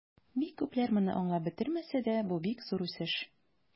Бик күпләр моны аңлап бетермәсә дә, бу бик зур үсеш.